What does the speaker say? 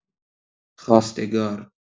خواستگار